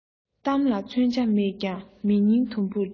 གཏམ ལ ཚོན ཆ མེད ཀྱང མི སྙིང དུམ བུར གཅོད